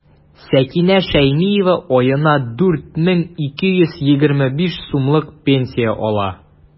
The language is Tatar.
Сәкинә Шәймиева аена 4 мең 225 сумлык пенсия ала.